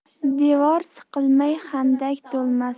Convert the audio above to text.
devor yiqilmay handak to'lmas